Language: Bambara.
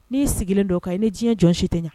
N'i sigilen don kan i ni diɲɛ jɔn si tɛ ɲɛ